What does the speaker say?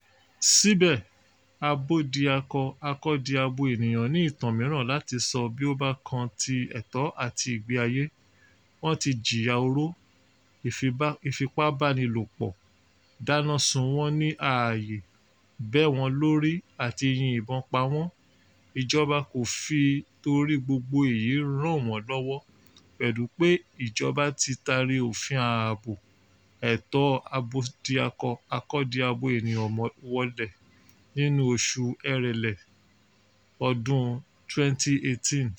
Síbẹ̀, Abódiakọ-akọ́diabo ènìyàn ní ìtàn mìíràn láti sọ bí ó bá kan ti ẹ̀tọ́ àti ìgbé ayé; wọ́n ti jìyà oró, ìfipábánilòpọ̀, dáná sun wọ́n ní ààyè, bẹ́ wọn lórí àti yin ìbọn pa wọ́n, ìjọba kò fi torí gbogbo èyí ràn wọ́n lọ́wọ́ pẹ̀lú pé Ìjọba ti tari òfin Ààbò Ẹ̀tọ́ Abódiakọ-akọ́diabo Ènìyàn wọlé nínú oṣù Ẹrẹ́nà ọdún 2018.